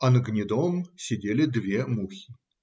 а на гнедом сидели две мухи.